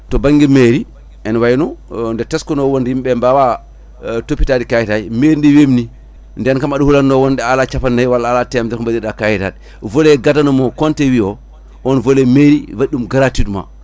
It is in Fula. to banggue mairie ene wayno nde teskano wonde yimɓeɓe mbawa topitade kayitaji mairie ndi webni nden kam aɗa hulanno wonde a ala capannayyi walla a ala temedere ko ɓaɗirɗa kayitaji volet gadano mo Konté wi o on volet mairie waɗi ɗum gratuitement